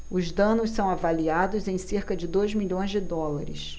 os danos são avaliados em cerca de dois milhões de dólares